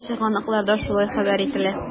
Чыганакларда шулай хәбәр ителә.